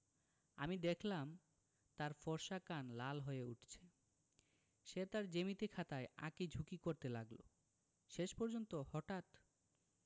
আমি দেখলাম তার ফর্সা কান লাল হয়ে উঠছে সে তার জ্যামিতি খাতায় আঁকি ঝুকি করতে লাগলো শেষ পর্যন্ত হঠাৎ